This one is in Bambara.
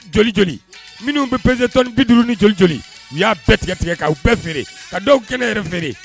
Jolij minnu bɛ peze 1on bi duuru ni jolij u y'a bɛɛ tigɛ tigɛ' bɛɛ feere ka dɔw kɛnɛ yɛrɛ feere